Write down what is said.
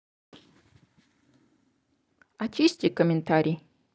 очисти комментарий